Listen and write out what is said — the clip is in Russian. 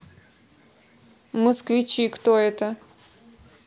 москвичи кто это